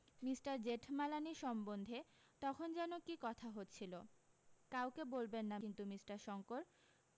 mister Jethmalani সম্বন্ধে তখন যেন কী কথা হচ্ছিল কাউকে বলবেন না কিন্তু মিষ্টার শংকর